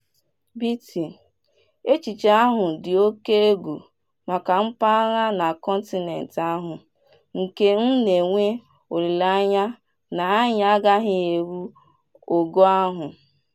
BT: Echiche ahụ dị oke egwu maka mpaghara na kọntinent ahụ nke m na-enwe olileanya na anyị agaghị eru ogo ahụ.